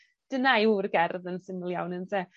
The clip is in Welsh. dyna yw'r gerdd yn syml iawn ynde?